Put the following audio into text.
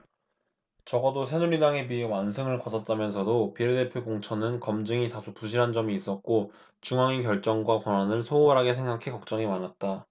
적어도 새누리당에 비해 완승을 거뒀다면서도 비례대표 공천은 검증이 다소 부실한 점이 있었고 중앙위 결정과 권한을 소홀하게 생각해 걱정이 많았다